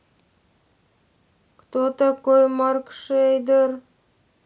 кто такой маркшейдер